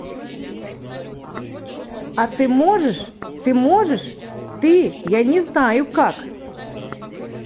а ты можешь ты можешь ты я не знаю как